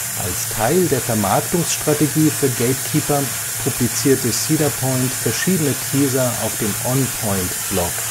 Als Teil der Vermarktungsstrategie für GateKeeper publizierte Cedar Point verschiedene Teaser auf dem OnPoint-Blog